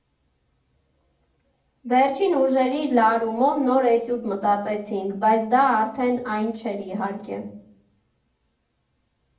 Վերջին ուժերի լարումով նոր էտյուդ մտածեցինք, բայց դա արդեն այն չէր իհարկե։